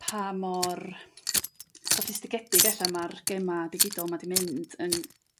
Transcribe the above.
pa mor soffistigedig e'lla' ma'r gema' digidol 'ma 'di mynd yn